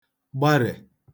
gbarè